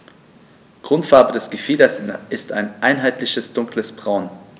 Grundfarbe des Gefieders ist ein einheitliches dunkles Braun.